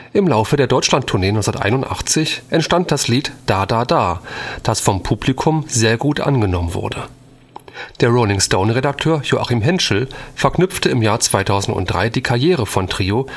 Im Laufe der Deutschlandtournee 1981 entstand das Lied Da Da Da, das vom Publikum sehr gut angenommen wurde. Der Rolling-Stone-Redakteur Joachim Hentschel verknüpfte im Jahr 2003 die Karriere von Trio